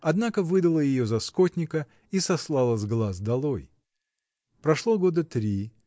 однако выдала ее за скотника и сослала с глаз долой. Прошло года три.